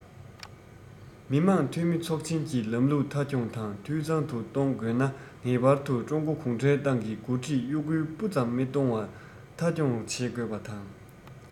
མི དམངས འཐུས མི ཚོགས ཆེན གྱི ལམ ལུགས མཐའ འཁྱོངས དང འཐུས ཚང དུ གཏོང དགོས ན ངེས པར དུ ཀྲུང གོ གུང ཁྲན ཏང གི འགོ ཁྲིད གཡོ འགུལ སྤུ ཙམ མི གཏོང བར མཐའ འཁྱོངས བྱེད དགོས པ དང